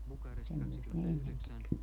semmoista ne ennen teki